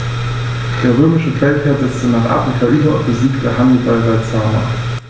Der römische Feldherr setzte nach Afrika über und besiegte Hannibal bei Zama.